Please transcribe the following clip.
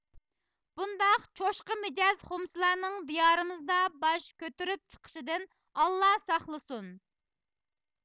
بۇنداق چوشقا مىجەز خۇمسىلارنىڭ دىيارىمىزدا باش كۆتۈرۈپ چىقىشىدىن ئاللا ساقلىسۇن